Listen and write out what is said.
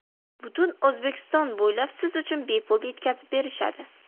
butun o'zbekiston bo'ylab siz uchun bepul yetkazib berishadi